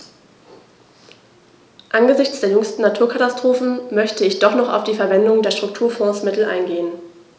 Angesichts der jüngsten Naturkatastrophen möchte ich doch noch auf die Verwendung der Strukturfondsmittel eingehen.